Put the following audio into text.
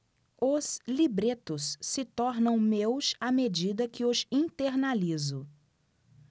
os libretos se tornam meus à medida que os internalizo